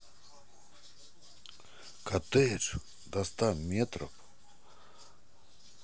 коттедж до ста метров